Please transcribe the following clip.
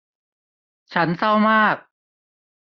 ฉันเศร้ามาก